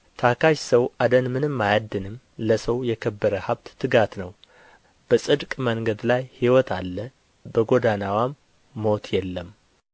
ታካች ሰው አደን ምንም አያድንም ለሰው የከበረ ሀብት ትጋት ነው በጽድቅ መንገድ ላይ ሕይወት አለ በጎዳናዋም ሞት የለም